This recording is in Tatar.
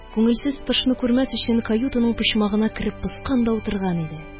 Күңелсез тышны күрмәс өчен, каютының почмагына кереп поскан да утырган иде.